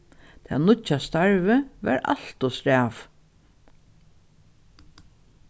tað nýggja starvið var alt ov strævið